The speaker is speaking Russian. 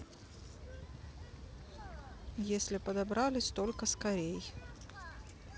если подобрали столько скорей